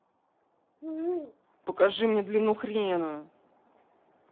покажи длину хрена